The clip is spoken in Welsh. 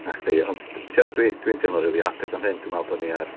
'Na chdi, ond tibod dwi dwi'n teimlo rili hapus am hyn, dw i'n meddwl bod ni ar...